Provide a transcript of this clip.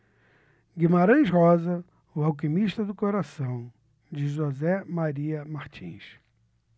guimarães rosa o alquimista do coração de josé maria martins